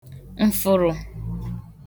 ǹfụ̀rụ̀